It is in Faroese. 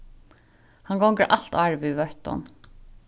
hann gongur alt árið við vøttum